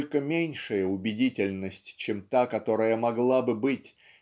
только меньшая убедительность чем та которая могла бы быть